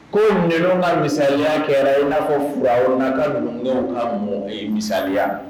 Ko ninnu ka misaya kɛra i n'a fɔuranawuna ka ninnudenw ka mɔ misaya